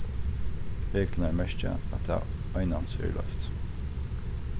reglurnar merkja at tað einans er loyvt